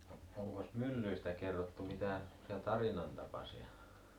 onkos myllyistä kerrottu mitään semmoisia tarinan tapaisia